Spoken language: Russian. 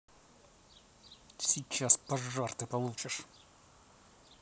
сейчас пожар ты получишь